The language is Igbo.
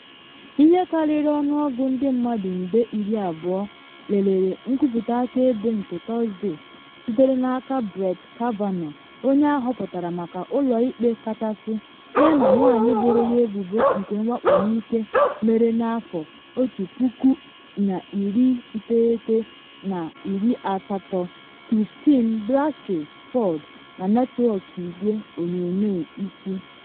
Ihe karịrị ọnụọgụ ndị mmadụ nde 20 lelere nkwupụta akaebe nke Tọsde sitere n’aka Brett Kavanaugh onye ahọpụtara maka Ụlọ Ikpe Kachasị yana nwanyị boro ya ebubo nke mwakpo n’ike mere na 1980, Christine Blasey Ford, na netwọk igwe onyonyoo isi.